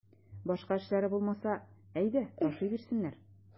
Башка эшләре булмаса, әйдә ташый бирсеннәр.